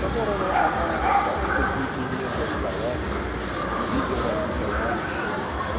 которого она так-таки и не дождалась увидела умирающим.